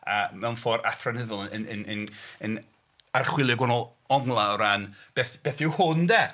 A mewn ffordd athronyddol yn yn yn yn archwilio gwahanol onglau o ran beth yw hwn de?